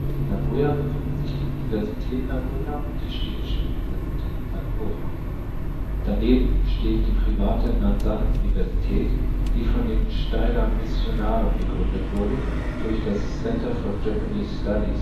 In Nagoya befinden sich die Universität Nagoya und die Städtische Universität Nagoya. Daneben besteht die private Nanzan-Universität, die von den Steyler Missionare gegründet wurde und durch das Center for Japanese Studies (CJS